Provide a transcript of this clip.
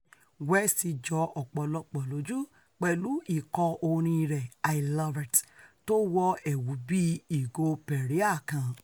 West jọ ọ̀pọ̀lọpọ̀ lójú pẹ̀lú ìkọ orin rẹ̀ I Love it, tó wọ ẹ̀wù bíi Ìgò Perrier kan.